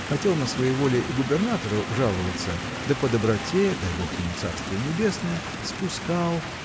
хотел на своеволие и губернатору жаловаться да по доброте дай бог ему царствие небесное спускал